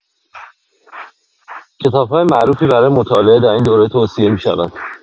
کتاب‌های معروفی برای مطالعه در این دوره توصیه می‌شود.